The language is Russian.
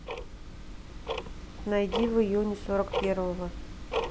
найди в июне сорок первого